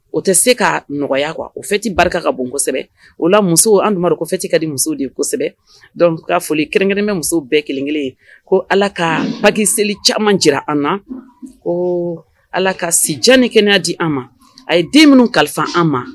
O tɛ se ka nɔgɔya kuwa o fɛti barika ka bon kosɛbɛ o la musobari kofiti ka di muso de kosɛbɛ dɔnku k'a foli kɛrɛnmɛ muso bɛɛ kelenkelen ye ko ala ka paki selieli caman jira an na ko ala ka sijan ni kɛnɛyaya di an ma a ye den minnu kalifa an ma